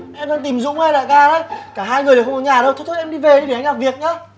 em đang tìm dũng hay đại ca đấy cả hai người đều không có nhà đâu thôi thôi em đi về đi để anh làm việc nhá